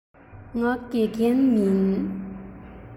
ང དགེ རྒན མིན